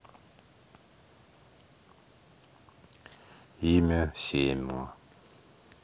имя сема